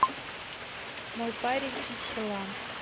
мой парень из села